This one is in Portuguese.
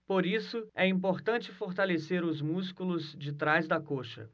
por isso é importante fortalecer os músculos de trás da coxa